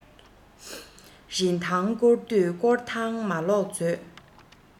རིན ཐང སྐོར དུས སྐོར ཐང མ ལོག མཛོད